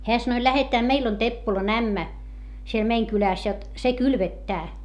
hän sanoi lähdetään meille on Teppolan ämmä siellä meidän kylässä jotta se kylvettää